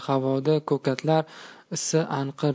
havoda ko'katlar isi anqir